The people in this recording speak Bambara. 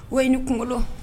O ye ni kunkolo